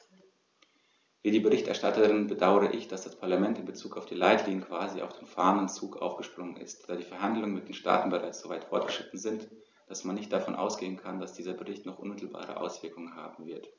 Wie die Berichterstatterin bedaure ich, dass das Parlament in bezug auf die Leitlinien quasi auf den fahrenden Zug aufgesprungen ist, da die Verhandlungen mit den Staaten bereits so weit fortgeschritten sind, dass man nicht davon ausgehen kann, dass dieser Bericht noch unmittelbare Auswirkungen haben wird.